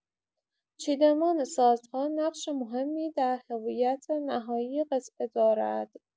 چیدمان سازها نقش مهمی در هویت نهایی قطعه دارد.